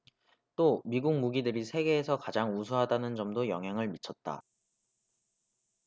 또 미국 무기들이 세계에서 가장 우수하다는 점도 영향을 미쳤다